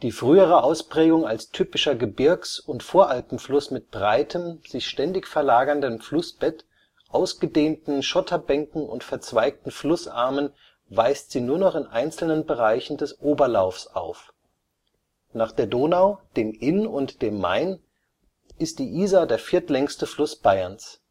frühere Ausprägung als typischer Gebirgs - und Voralpenfluss mit breitem, sich ständig verlagerndem Flussbett, ausgedehnten Schotterbänken und verzweigten Flussarmen weist sie nur noch in einzelnen Bereichen des Oberlaufs auf. Nach der Donau, dem Inn und dem Main ist die Isar der viertlängste Fluss Bayerns